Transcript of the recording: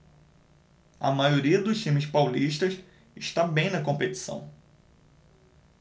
a maioria dos times paulistas está bem na competição